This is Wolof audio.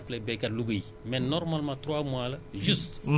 mais ñun ñu dolli ci un mois de sécurité muy quatre mois